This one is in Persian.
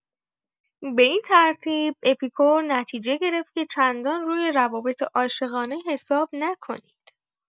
به این ترتیب اپیکور نتیجه گرفت که چندان روی روابط عاشقانه حساب نکنید.